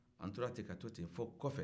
an tora ten ka to ten fo kɔfɛ